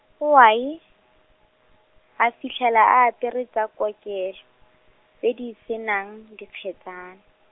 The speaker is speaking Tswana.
owai, a fitlhela a apere tsa kokelo, tse di se nang dikgetsana.